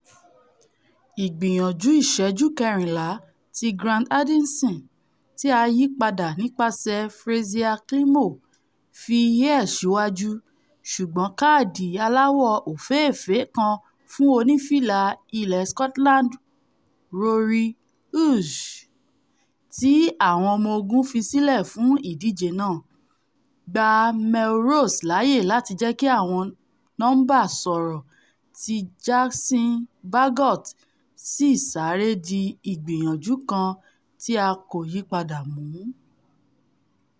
Ìgbìyànjú ìṣẹ́jú ìkẹrìnlá ti Grant Anderson, ti a yípada nípaṣẹ̀ Frazier Climo, fi Ayr síwájú, ṣùgbọ́n káàdì aláwọ̀ òfééèfé kan fún onífìla ilẹ̀ Scotland Rory Hughes, tí Warriors fi sílẹ̀ fún ìdíje náà, gba Melrose láyè láti jẹ́kí àwọn nọmba sọ̀rọ̀ tí Jason Baggot sì sáré di ìgbìyànjú kan tí a kò yípadà mu.